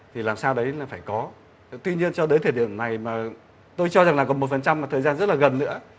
thì làm sao đấy là phải có tuy nhiên cho tới thời điểm này mà tôi cho rằng là còn một phần trăm và thời gian rất là gần nữa